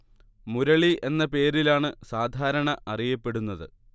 മുരളി എന്ന പേരിലാണ് സാധാരണ അറിയപ്പെടുന്നത്